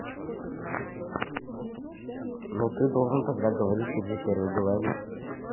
но ты должен тогда говорить ты же первый говорил